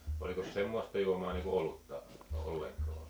olikos semmoista juomaa niin kuin olutta ollenkaan